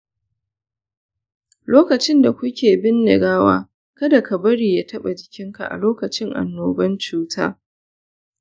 lokacinda kuke binne gawa kada ka bari ya taba jikinka a lokacin annoban cutan.